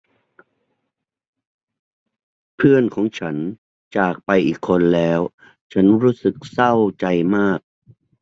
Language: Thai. เพื่อนของฉันจากไปอีกคนแล้วฉันรู้สึกเศร้าใจมาก